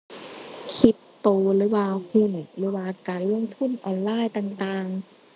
คริปโตหรือว่าหุ้น หรือว่าการลงทุนออนไลน์ต่างต่าง